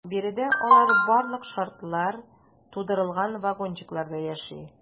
Биредә алар барлык шартлар тудырылган вагончыкларда яши.